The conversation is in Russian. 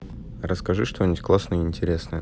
расскажи что нибудь классное и интересное